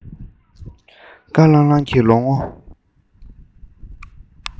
དཀར ལྷང ལྷང གི ལོ ངོ